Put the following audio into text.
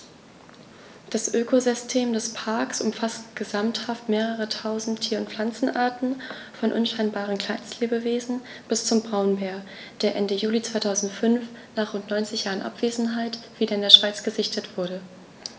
Das Ökosystem des Parks umfasst gesamthaft mehrere tausend Tier- und Pflanzenarten, von unscheinbaren Kleinstlebewesen bis zum Braunbär, der Ende Juli 2005, nach rund 90 Jahren Abwesenheit, wieder in der Schweiz gesichtet wurde.